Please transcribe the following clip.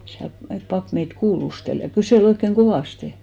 siellä pappi meitä kuulusteli ja kyseli oikein kovasti